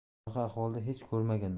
bunaqa ahvolda hech ko'rmaganman